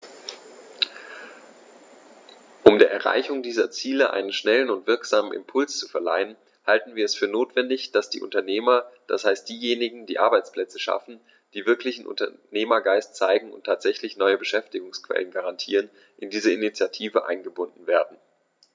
Um der Erreichung dieser Ziele einen schnellen und wirksamen Impuls zu verleihen, halten wir es für notwendig, dass die Unternehmer, das heißt diejenigen, die Arbeitsplätze schaffen, die wirklichen Unternehmergeist zeigen und tatsächlich neue Beschäftigungsquellen garantieren, in diese Initiative eingebunden werden.